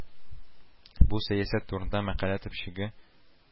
Бу Сәясәт турында мәкалә төпчеге